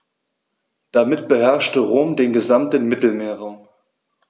Damit beherrschte Rom den gesamten Mittelmeerraum.